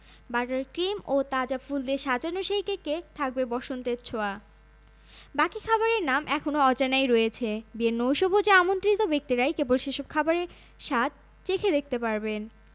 বিয়ের দিন সন্ধ্যায় প্রিন্স চার্লস যে সংবর্ধনার আয়োজন করবেন সেখানে গানবাজনার ব্যবস্থা রাখা হবে বলে শোনা গেছে কিন্তু কেনসিংটন প্রাসাদ থেকে এ ব্যাপারে কোনো আনুষ্ঠানিক ঘোষণা আসেনি